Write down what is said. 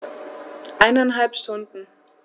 Eineinhalb Stunden